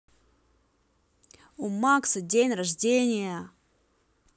у макса день рождения